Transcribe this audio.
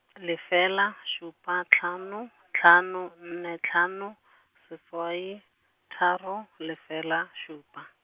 lefela šupa hlano, hlano nne hlano, seswai, tharo lefela, šupa.